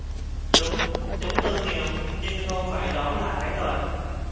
đúng chúng tôi nghèo nhưng không phải đó là cái tội